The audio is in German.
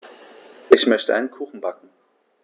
Ich möchte einen Kuchen backen.